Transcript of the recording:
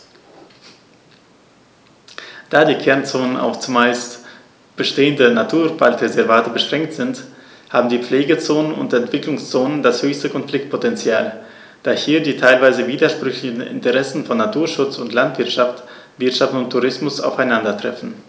Da die Kernzonen auf – zumeist bestehende – Naturwaldreservate beschränkt sind, haben die Pflegezonen und Entwicklungszonen das höchste Konfliktpotential, da hier die teilweise widersprüchlichen Interessen von Naturschutz und Landwirtschaft, Wirtschaft und Tourismus aufeinandertreffen.